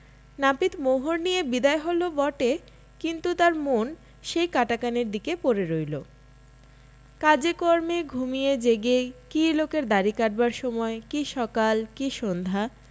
নাপিত মোহর নিয়ে বিদায় হল বটে কিন্তু তার মন সেই কাটা কানের দিকে পড়ে রইল কাজে কর্মে ঘুমিয়ে জেগে কী লোকের দাড়ি কাটবার সময় কী সকাল কী সন্ধ্যা